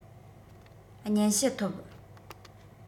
སྙན ཞུ ཐོབ